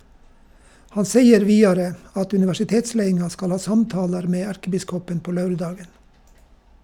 Han seier vidare at universitetsleiinga skal ha samtalar med erkebiskopen på laurdagen.